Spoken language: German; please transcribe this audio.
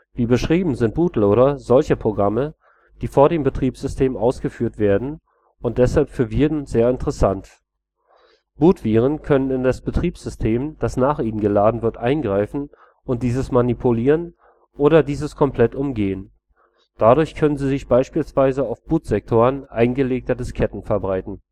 Wie beschrieben sind Boot-Loader solche Programme, die vor dem Betriebssystem ausgeführt werden und deshalb für Viren sehr interessant: Bootviren können in das Betriebssystem, das nach ihnen geladen wird, eingreifen und dieses manipulieren oder dieses komplett umgehen. Dadurch können sie sich beispielsweise auf Bootsektoren eingelegter Disketten verbreiten